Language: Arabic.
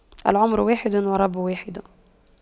العمر واحد والرب واحد